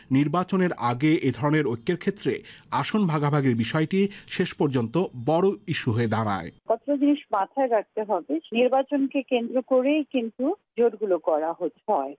নির্বাচনের আগে এ ধরনের ঐক্যের' ক্ষেত্রে আসন ভাগাভাগির বিষয়টি শেষ পর্যন্ত বড় ইস্যু হয়ে দাঁড়ায় কতগুলো জিনিস মাথায় রাখতে হবে নির্বাচনকে কেন্দ্র করেই কিন্তু জোট গুলো করা হয়